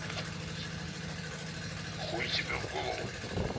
хуй тебе в голову